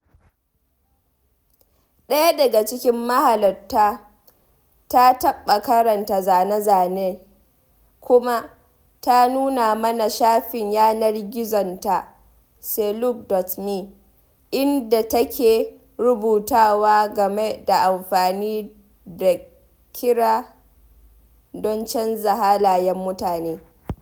Ɗaya daga cikin mahalarta ta taɓa karanta zane-zanen, kuma ta nuna mana shafin yanar gizonta, Selouk.me, inda take rubutawa game da amfani da ƙira don canza halayen mutane.